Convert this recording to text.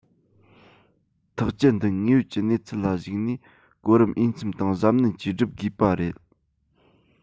ཐག བཅད འདི དངོས ཡོད ཀྱི གནས ཚུལ ལ གཞིག ནས གོ རིམ འོས འཚམ དང གཟབ ནན གྱིས བསྒྲུབ དགོས པ རེད